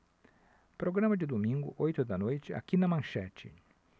programa de domingo oito da noite aqui na manchete